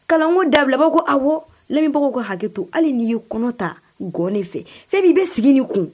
Kalanko dabilaba ko abagaw ko hakɛ to hali n'i ye kɔnɔ ta gɔni fɛ fɛn b'i bɛ sigi ni kun